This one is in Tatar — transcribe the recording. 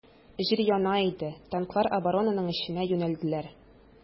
Җир яна иде, танклар оборонаның эченә юнәлделәр.